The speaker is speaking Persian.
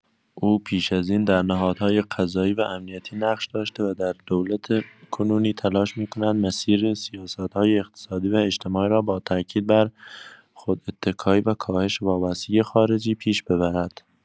او پیش از این در نهادهای قضایی و امنیتی نقش داشته و در دولت کنونی تلاش می‌کند مسیر سیاست‌های اقتصادی و اجتماعی را با تأکید بر خوداتکایی و کاهش وابستگی خارجی پیش ببرد.